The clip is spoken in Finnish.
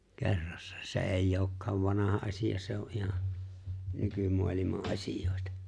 kerrassa se ei olekaan vanha asia se on ihan nykymaailman asioita